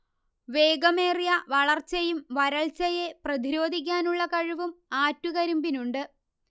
വേഗമേറിയ വളർച്ചയും വരൾച്ചയെ പ്രതിരോധിക്കാനുള്ള കഴിവും ആറ്റുകരിമ്പിനുണ്ട്